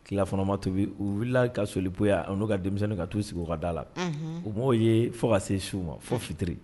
Kifanama tubi u wulila ka soli bo yan n' ka denmisɛnninnin ka t'u sigi u ka da la o mɔgɔw ye fo ka se su ma fo fitiri